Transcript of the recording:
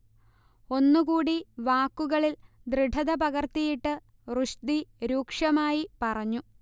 ഒന്നുകൂടി വാക്കുകളിൽ ദൃഢത പകർത്തിയിട്ട് റുഷ്ദി രൂക്ഷമായി പറഞ്ഞു